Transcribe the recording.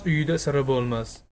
uyida siri bo'lmas